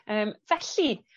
Yym felly